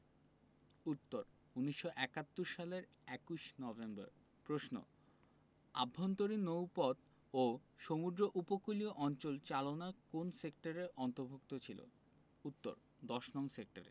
উত্তর ১৯৭১ সালের ২১ নভেম্বর প্রশ্ন আভ্যন্তরীণ নৌপথ ও সমুদ্র উপকূলীয় অঞ্চল চালনা কোন সেক্টরের অন্তভু র্ক্ত ছিল উত্তরঃ ১০নং সেক্টরে